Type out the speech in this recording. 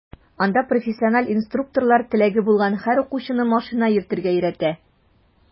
Анда профессиональ инструкторлар теләге булган һәр укучыны машина йөртергә өйрәтә.